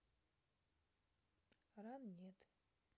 ран нет